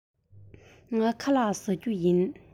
ངས ཁ ལག བཟས མེད